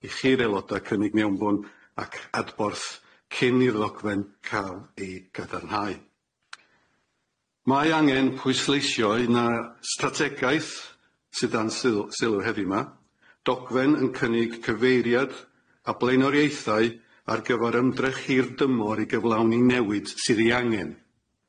i chi'r aeloda cynnig mewnfwn ac adborth cyn i'r ddogfen ca'l i gadarnhau. Mae angen pwysleisio una' strategaeth sydd dan syl- sylw heddiw ma' dogfen yn cynnig cyfeiriad a blaenoriaethau ar gyfar ymdrech hirdymor i gyflawni newid sydd i angen.